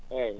eeyi